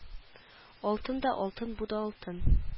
Алтын да алтын бу да алтын